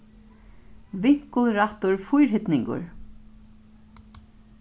vinkulrættur fýrhyrningur